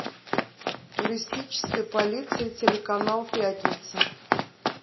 туристическая полиция телеканал пятница